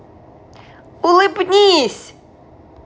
улыбнись